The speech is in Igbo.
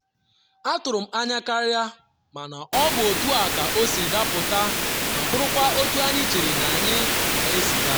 Atụrụ m anya karịa, mana ọ bụ otu a ka o siri dapụta ma bụrụkwa otu anyị chere na anyị ga-esi gaa.